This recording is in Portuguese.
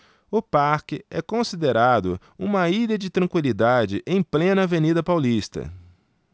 o parque é considerado uma ilha de tranquilidade em plena avenida paulista